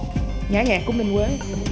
nhã nhạc cung đình